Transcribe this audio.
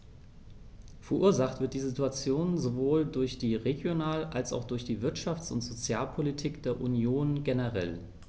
Verursacht wird diese Situation sowohl durch die Regional- als auch durch die Wirtschafts- und Sozialpolitik der Union generell.